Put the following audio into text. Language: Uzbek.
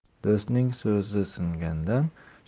do'stning so'zi singandan